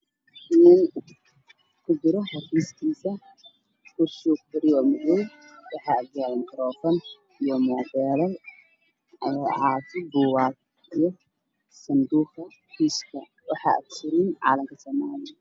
Nin ku jiro xafiiskiisa kursiguu ku fadhiyo waa madow waxaa ag yaallo makaroofan iyo moobeelal caafi iyo buugaag sanduuqa xafiiska waxa ag suran calanka somalia